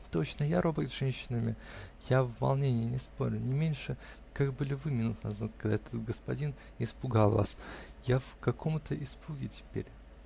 Точно, я робок с женщинами, я в волненье, не спорю, не меньше, как были вы минуту назад, когда этот господин испугал вас. Я в каком-то испуге теперь.